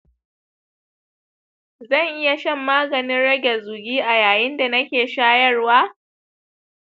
zan iya shan maganin rage zugi a yayin sa nake shayarwa